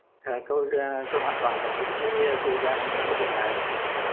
à tôi a tôi hoàn toàn đồng ý với cô giang trong cái việc này